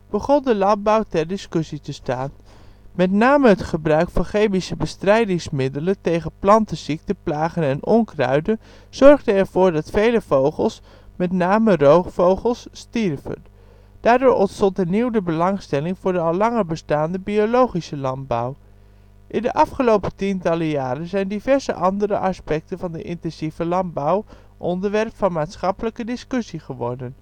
begon de landbouw ter discussie te staan. Met name het gebruik van chemische bestrijdingsmiddelen tegen plantenziekten, plagen en onkruiden zorgde ervoor dat vele vogels, met name roofvogels stierven. Daardoor ontstond hernieuwde belangstelling voor de al langer bestaande biologische landbouw. In de afgelopen tientallen jaren zijn diverse andere aspecten van de intensieve landbouw onderwerp van maatschappelijke discussie geworden